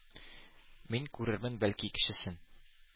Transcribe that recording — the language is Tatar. Мин күрермен, бәлки, кечесен?